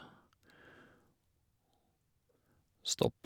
Stopp.